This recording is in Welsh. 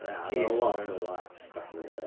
ia, o'dd o lot mwy lax back in the day.